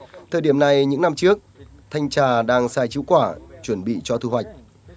thời điểm này những năm trước thanh trà đang sai trĩu quả chuẩn bị cho thu hoạch